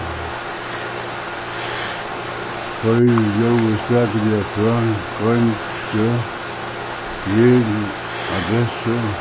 koyr ljóðið spakuliga frá goymd støð vel adressu